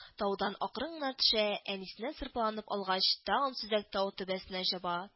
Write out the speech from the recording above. Таудан акрын гына төшә, әнисенә сырпаланып алгач, тагын сөзәк тау түбәсенә чаба